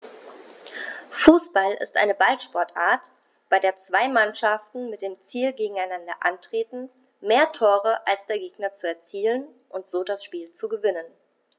Fußball ist eine Ballsportart, bei der zwei Mannschaften mit dem Ziel gegeneinander antreten, mehr Tore als der Gegner zu erzielen und so das Spiel zu gewinnen.